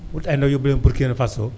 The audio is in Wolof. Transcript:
wut ay ndaw yóbbu leen burkina Faso